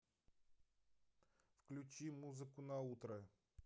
включи музыку на утро